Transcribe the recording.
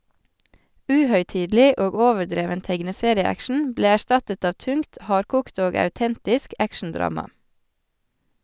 Uhøytidelig og overdreven tegneserieaction ble erstattet av tungt, hardkokt og autentisk action-drama.